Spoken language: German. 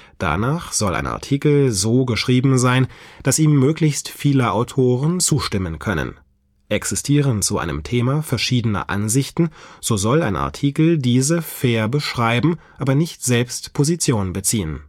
Danach soll ein Artikel so geschrieben sein, dass ihm möglichst viele Autoren zustimmen können. Existieren zu einem Thema verschiedene Ansichten, so soll ein Artikel diese fair beschreiben, aber nicht selbst Position beziehen